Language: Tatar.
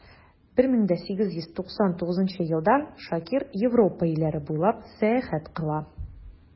1899 елда шакир европа илләре буйлап сәяхәт кыла.